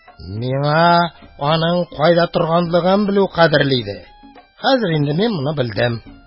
Миңа аның кайда торганлыгын белү кадерле иде, хәзер инде мин моны белдем.